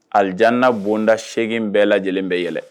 Ajanana bonda seegin bɛɛ lajɛlen bɛ yɛlɛ